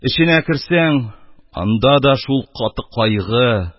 Эченә керсәң, анда да шул каты кайгы,